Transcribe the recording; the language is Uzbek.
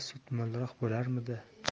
sut mo'lroq bo'larmidi